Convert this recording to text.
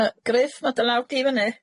Yy Gruff ma' dy law di fyny.